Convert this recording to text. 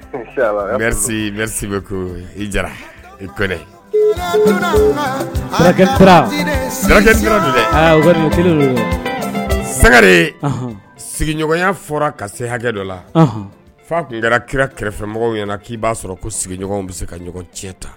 Re sigiɲɔgɔnya fɔra ka se hakɛ dɔ la fa tun kɛra kira kɛrɛfɛmɔgɔ ɲɛna k'i b'a sɔrɔ ko sigiɲɔgɔnw bɛ se ka ɲɔgɔn tiɲɛ ta